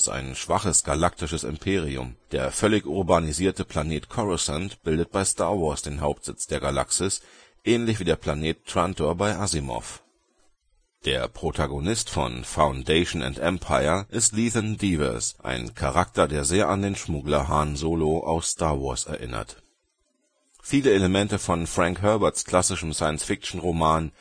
ein schwaches galaktisches Imperium. Der völlig urbanisierte Planet Coruscant bildet bei Star Wars den Hauptsitz der Galaxis ähnlich wie der Planet Trantor bei Asimov. Der Protagonist von Foundation and Empire ist Lethan Devers, ein Charakter, der sehr an den Schmuggler Han Solo aus Star Wars erinnert. Luftkämpfe des 2. Weltkriegs als Vorbilder der Weltraumschlachten in Star Wars Viele Elemente von Frank Herberts klassischem Science-Fiction-Roman